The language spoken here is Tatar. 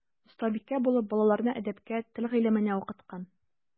Остабикә булып балаларны әдәпкә, тел гыйлеменә укыткан.